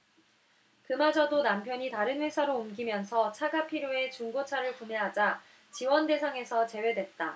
그마저도 남편이 다른 회사로 옮기면서 차가 필요해 중고차를 구매하자 지원대상에서 제외됐다